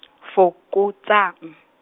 fokotsang.